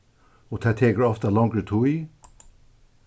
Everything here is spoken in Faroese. og tað tekur ofta longri tíð